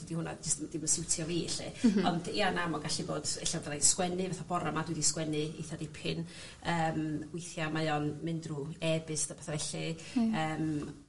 'di hwnna jyst 'n dim yn siwtio fi 'lly. M-hm. Ond ia na ma' o'n gallu bod ella byddai'n sgwennu fatha bora 'ma dwi 'di sgwennu eitha dipyn yym weithia mae o'n mynd drw e-byst a petha felly ... Hmm. ...yym